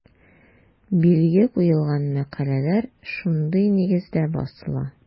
Билге куелган мәкаләләр шундый нигездә басыла.